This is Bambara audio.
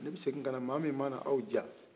ne bi segin kana mɔgɔ min mana aw ja